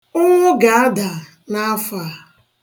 Ụnwụ ga-ada n'afọ a.